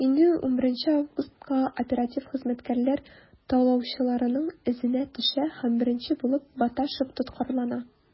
Инде 11 августка оператив хезмәткәрләр талаучыларның эзенә төшә һәм беренче булып Баташев тоткарлана.